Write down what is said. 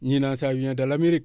ñii naan ça vient de l' Amérique